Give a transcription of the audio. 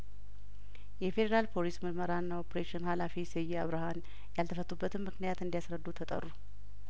የፌዴራል ፖሊስ ምርመራና ኦፕሬሽን ሀላፊ ስዬ አብርሀን ያልተፈቱ በትንምክንያት እንዲ ያስረዱ ተጠሩ